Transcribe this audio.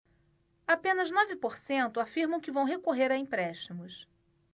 apenas nove por cento afirmam que vão recorrer a empréstimos